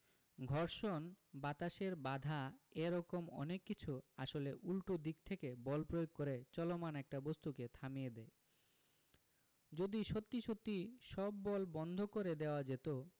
ঘর্ষণ বাতাসের বাধা এ রকম অনেক কিছু আসলে উল্টো দিক থেকে বল প্রয়োগ করে চলমান একটা বস্তুকে থামিয়ে দেয় যদি সত্যি সত্যি সব বল বন্ধ করে দেওয়া যেত